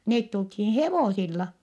ne tultiin hevosilla